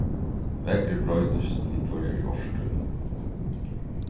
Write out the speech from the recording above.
veðrið broytist við hvørjari árstíð